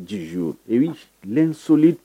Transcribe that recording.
Z soli